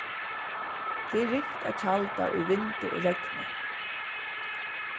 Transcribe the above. tað er ringt at tjalda í vindi og regni